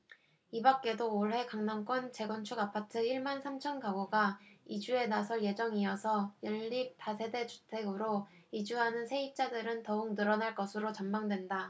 이밖에도 올해 강남권 재건축 아파트 일 만 삼천 가구가 이주에 나설 예정이어서 연립 다세대주택으로 이주하는 세입자들은 더욱 늘어날 것으로 전망된다